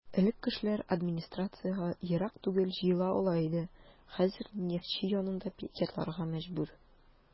Элек кешеләр администрациягә ерак түгел җыела ала иде, хәзер "Нефтьче" янында пикетларга мәҗбүр.